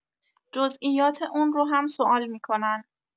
جزئیات اون رو هم سوال می‌کنن.